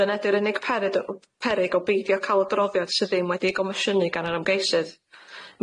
Dyne ydy'r unig peryd- peryg o beidio ca'l y droddiad sydd ddim wedi'i gomisiynu gan yr ymgeisydd.